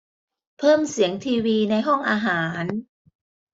เพิ่มเสียงทีวีในห้องอาหาร